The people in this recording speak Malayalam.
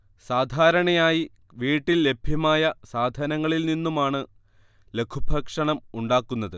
സാധാരണയായി വീട്ടിൽ ലഭ്യമായ സാധനങ്ങളിൽ നിന്നുമാണ് ലഘുഭക്ഷണം ഉണ്ടാക്കുന്നത്